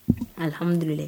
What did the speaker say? Alhamdulilayi